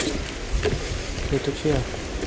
это чья